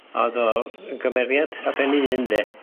A o'dd o y' gymeriad ar ben 'i un de?